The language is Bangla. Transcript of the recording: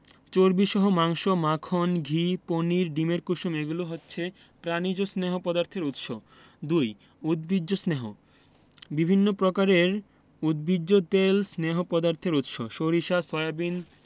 চর্বিসহ মাংস মাখন ঘি পনির ডিমের কুসুম এগুলো হচ্ছে প্রাণিজ স্নেহ পদার্থের উৎস ২. উদ্ভিজ্জ স্নেহ বিভিন্ন প্রকারের উদ্ভিজ তেল স্নেহ পদার্থের উৎস সরিষা সয়াবিন